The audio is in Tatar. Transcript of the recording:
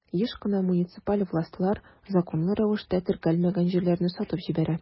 Еш кына муниципаль властьлар законлы рәвештә теркәлмәгән җирләрне сатып җибәрә.